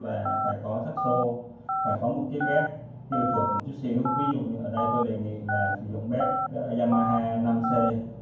phải có bec tiêu chuẩn một chút tôi đề nghị nên tập với bec yamaha c